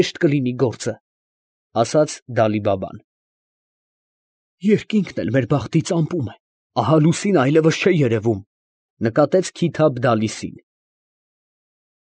Հեշտ կլինի գործը։ ֊ Երկինքն էլ մեր բախտից ամպում է, ահա լուսինը այլևս չէ երևում, ֊ նկատեց Քիթաբ֊Դալիսին։ ֊